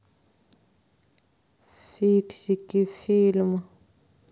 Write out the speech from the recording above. фиксики фильм